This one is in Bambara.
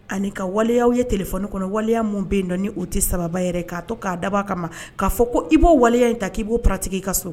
Ani ka waleyaw ye téléphone kɔnɔ waleya minnu bɛ yen n’o tɛ sababa yɛrɛ ye k'a to k'a dabɔ a ka ma k'a fɔ ko i b'o waleya in ta k’i b’o pratiquer i ka so